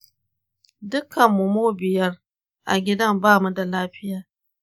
dukkanmu mu biyar a gidan bamu da lafiya.